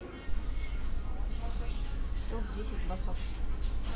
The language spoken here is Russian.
топ десять басов